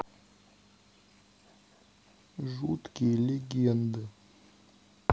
жуткие легенды